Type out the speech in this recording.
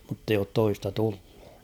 mutta ei ole toista tullut